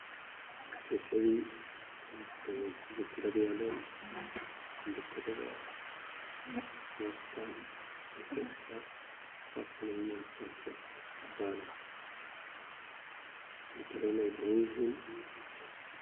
Xuseen oo meel qol ah oo yaalaan computerro badan waxayna ku bitaradda saaranyihiin miis caddaan ah